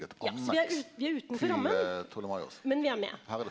ja så vi er vi er utenfor rammen, men vi er med.